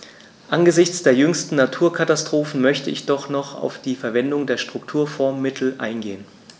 Angesichts der jüngsten Naturkatastrophen möchte ich doch noch auf die Verwendung der Strukturfondsmittel eingehen.